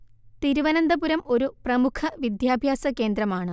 തിരുവനന്തപുരം ഒരു പ്രമുഖ വിദ്യാഭ്യാസ കേന്ദ്രമാണ്